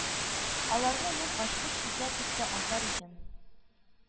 Аларны мин ачкыч сүзләр дип тә атар идем